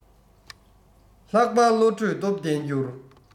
ལྷག པར བློ གྲོས སྟོབས ལྡན འགྱུར